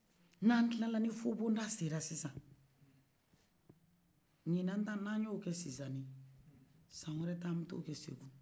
n'a kilala ni furu bon da sela sisan ɲinan ta n'a yo kɛ sisani san wɛrɛ ta an bɛ taa o kɛ segou